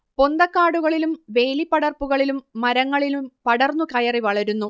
പൊന്തക്കാടുകളിലും വേലിപ്പടർപ്പുകളിലും മരങ്ങളിലും പടർന്നു കയറി വളരുന്നു